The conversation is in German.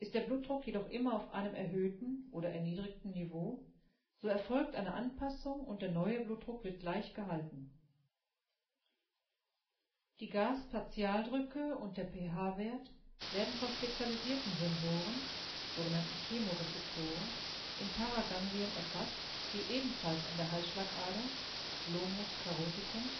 der Blutdruck jedoch immer auf einem erhöhten (oder erniedrigten) Niveau, so erfolgt eine Anpassung und der „ neue “Blutdruck wird gleich gehalten. Die Gaspartialdrücke und der pH-Wert werden von spezialisierten Sensoren (sog. Chemorezeptoren) in Paraganglien erfasst, die ebenfalls an der Halsschlagader (Glomus caroticum